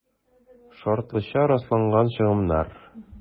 «шартлыча расланган чыгымнар»